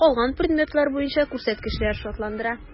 Калган предметлар буенча күрсәткечләр шатландыра.